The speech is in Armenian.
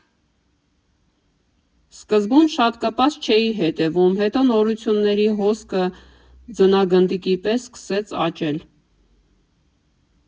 Սկզբում շատ կպած չէի հետևում, հետո նորությունների հոսքը ձնագնդիկի պես սկսեց աճել։